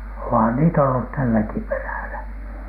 onhan niitä ollut tälläkin perällä